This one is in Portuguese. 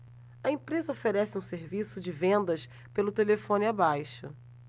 a empresa oferece um serviço de vendas pelo telefone abaixo